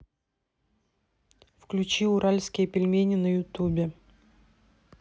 включи уральские пельмени на ютубе